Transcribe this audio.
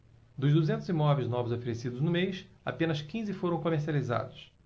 dos duzentos imóveis novos oferecidos no mês apenas quinze foram comercializados